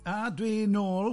A dwi nôl.